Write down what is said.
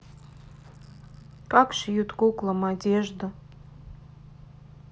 как шьют куклам одежду